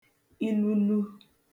ilulu